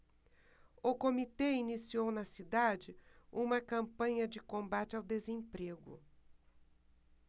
o comitê iniciou na cidade uma campanha de combate ao desemprego